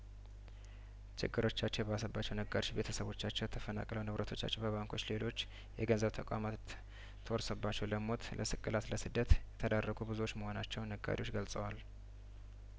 ችግሮቻቸው የባሰባቸው ነጋዴዎች ቤተሰቦቻቸው ተፈናቅ ለውንብረቶቻቸው በባንኮች ሌሎች የገንዘብ ተቋማት ተወርሰውባቸው ለሞት ለስቅላት ለስደት ተዳረጉ ብዙዎች መሆናቸውን ነጋዴዎቹ ገልጸዋል